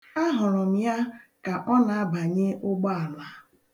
Ahụrụ m ya ka ọ na-abanye ụgbọala.